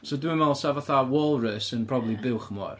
So dwi'n meddwl 'sa fatha walrus yn buwch y môr.